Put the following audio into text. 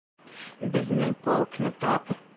Безнең полкны тап...